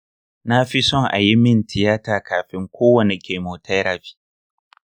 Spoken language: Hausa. na fi son a yi min tiyata kafin kowanne chemotherapy.